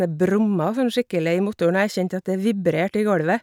Det brumma sånn skikkelig i motoren, og jeg kjente at det vibrerte i golvet.